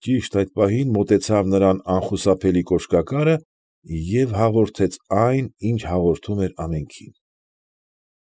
Ճիշտ այդ պահին մոտեցավ նրան անխուսափելի կոշկակարը և հաղորդեց այն, ինչ որ հաղորդում էր ամենքին։